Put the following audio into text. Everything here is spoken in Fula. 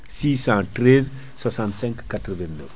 77 613 65 89